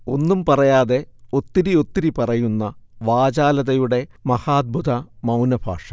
ഒന്നും പറയാതെ ഒത്തിരിയൊത്തിരി പറയുന്ന വാചാലതയുടെ മഹാദ്ഭുത മൗനഭാഷ